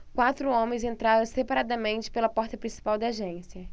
quatro homens entraram separadamente pela porta principal da agência